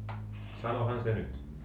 sanohan se nyt